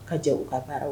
Ka jɛ u ka baara